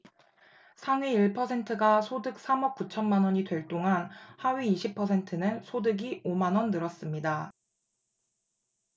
상위 일 퍼센트가 소득 삼 억 구천 만원이 될 동안 하위 이십 퍼센트는 소득이 오 만원 늘었습니다